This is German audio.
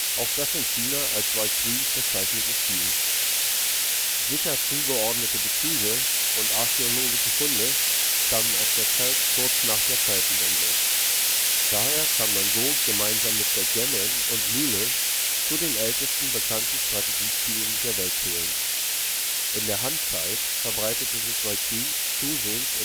auf das in China als Weiqi bezeichnete Spiel. Sicher zugeordnete Bezüge und archäologische Funde stammen aus der Zeit kurz nach der Zeitenwende. Daher kann man Go gemeinsam mit Backgammon und Mühle zu den ältesten bekannten Strategiespielen der Welt zählen. In der Han-Zeit verbreitete sich Weiqi zusehends